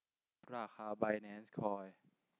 ราคาไบแนนซ์คอย